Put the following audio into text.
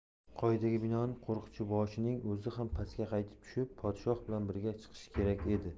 qoidaga binoan qo'rchiboshining o'zi ham pastga qaytib tushib podshoh bilan birga chiqishi kerak edi